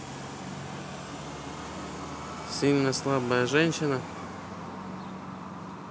сильно слабая женщина